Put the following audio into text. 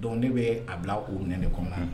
Don de bɛ a bila u nɛ de kɔnɔna